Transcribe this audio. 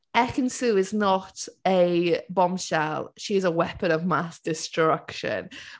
Ekin-Su is not a bombshell, she is a weapon of mass destruction.